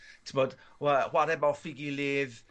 t'mod wa- whare off 'i gilydd